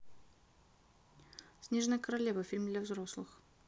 снежная королева фильм для взрослых